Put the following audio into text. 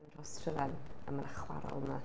Rhostryfan a ma' 'na chwarel yna.